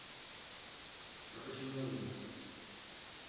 а почему он умер